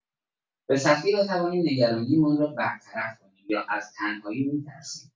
به‌سختی بتوانیم نگرانی‌مان را برطرف کنیم یا از تنهایی می‌ترسیم.